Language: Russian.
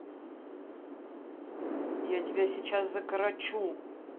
я тебе сейчас закорочу